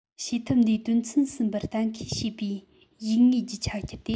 བྱེད ཐབས འདིའི དོན ཚན གསུམ པར གཏན འཁེལ བྱས པའི ཡིག ངོས རྒྱུ ཆ ཁྱེར ཏེ